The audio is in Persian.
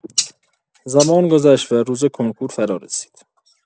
زمان گذشت و روز کنکور فرارسید.